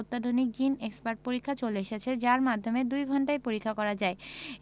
অত্যাধুনিক GeneXpert পরীক্ষা চলে এসেছে যার মাধ্যমে দুই ঘণ্টায় পরীক্ষা করা যায়